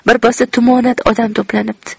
birpasda tumonat odam to'planibdi